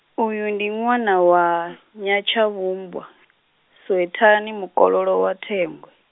uyu ndi ṅwana wa, Nyatshavhumbwa, Swethani mukololo wa Thengwe.